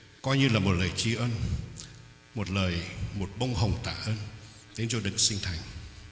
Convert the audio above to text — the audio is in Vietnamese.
coi như là một lời tri ân một lời một bông hồng tạ ân nên cho đấng sinh thành